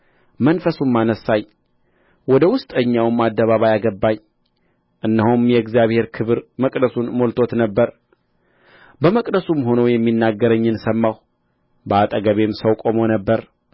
መንፈሱም አነሣኝ ወደ ውስጠኛውም አደባባይ አገባኝ እነሆም የእግዚአብሔር ክብር መቅደሱን ሞልቶት ነበር በመቅደሱም ሆኖ የሚናገረኝን ሰማሁ በአጠገቤም ሰው ቆሞ ነበር